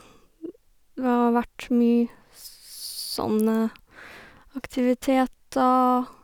Vi har jo vært mye sånne aktiviteter.